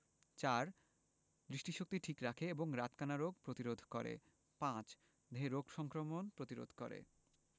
৪. দৃষ্টিশক্তি ঠিক রাখে এবং রাতকানা রোগ প্রতিরোধ করে ৫. দেহে রোগ সংক্রমণ প্রতিরোধ করে